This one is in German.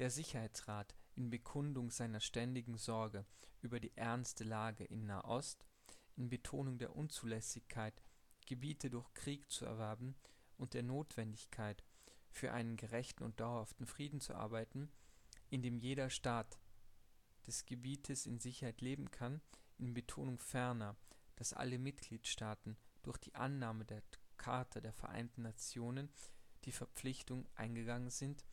Sicherheitsrat, in Bekundung seiner ständigen Sorge über die ernste Lage in Nahost, in Betonung der Unzulässigkeit, Gebiete durch Krieg zu erwerben, und der Notwendigkeit, für einen gerechten und dauerhaften Frieden zu arbeiten, in dem jeder Staat des Gebietes in Sicherheit leben kann, in Betonung ferner, daß alle Mitgliedstaaten durch die Annahme der Charta der Vereinten Nationen die Verpflichtung eingegangen sind